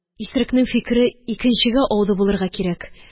Исерекнең фикере икенчегә ауды булырга кирәк